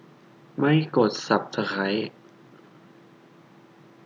ไม่กดสับตะไคร้